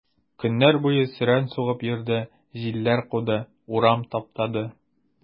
Көннәр буе сөрән сугып йөрде, җилләр куды, урам таптады.